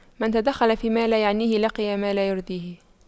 من تدخل فيما لا يعنيه لقي ما لا يرضيه